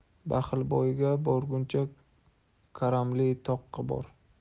baxil boyga borguncha karamli toqqa bor